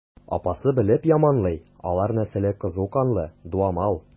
Апасы белеп яманлый: алар нәселе кызу канлы, дуамал.